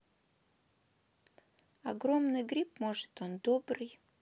огромный гриб может он добрый